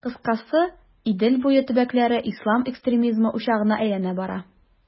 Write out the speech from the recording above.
Кыскасы, Идел буе төбәкләре ислам экстремизмы учагына әйләнә бара.